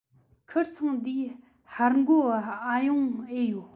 ཁིར ཚང འདིའི ཧར འགོ འ ཡོང ཨེ ཡོད